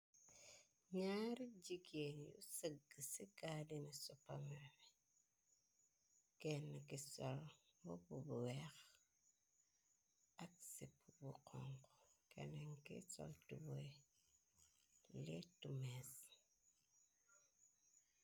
Nyaar jigéen yu sëgg ci gaadini sopamei kenn ki sol mbopb bu weex ak sépu bu xong kenenki sol tubeye létu mees.